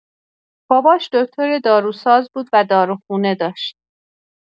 باباش دکتر داروساز بود و داروخونه داشت.